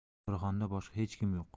to'rxonada boshqa hech kim yo'q